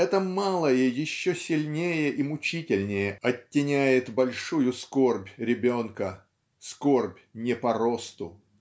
это малое еще сильнее и мучительнее оттеняет большую скорбь ребенка скорбь не по росту.